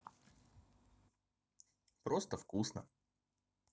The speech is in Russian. просто вкусно